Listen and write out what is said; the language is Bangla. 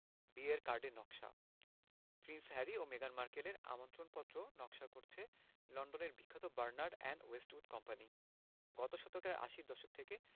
বিয়ের কার্ডের নকশা প্রিন্স হ্যারি ও মেগান মার্কেলের আমন্ত্রণপত্র নকশা করছে লন্ডনের বিখ্যাত বার্নার্ড অ্যান্ড ওয়েস্টউড কোম্পানি গত শতকের আশির দশক থেকে